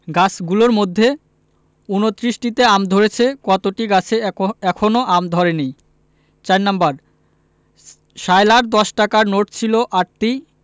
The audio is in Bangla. গাছগুলোর মধ্যে ২৯টিতে আম ধরেছে কতটি গাছে এখনও আম ধরেনি ৪ নাম্বার সায়লার দশ টাকার নোট ছিল ৮টি